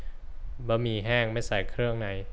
บะหมี่แห้งไม่ใส่เครื่องใน